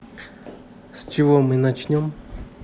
с чего мы начнем